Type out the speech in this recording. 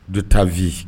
Don taa v